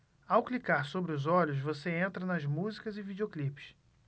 ao clicar sobre os olhos você entra nas músicas e videoclipes